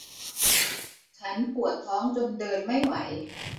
ฉันปวดท้องจนเดินไม่ไหว